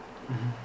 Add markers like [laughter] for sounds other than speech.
[hesitation] [hesitation]